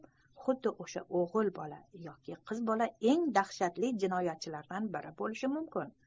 xuddi o'sha o'g'il bola yoki qiz bola eng dahshatli jinoyatchilardan biri bo'lishi mumkin